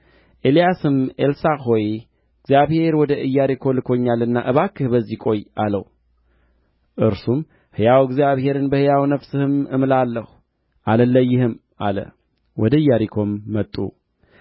በቤቴልም የነበሩ የነቢያት ልጆች ወደ ኤልሳዕ ወጥተው እግዚአብሔር ጌታህን ከራስህ ላይ ዛሬ እንዲወስደው አውቀሃልን አሉት እርሱም አዎን አውቄአለሁ ዝም በሉ አላቸው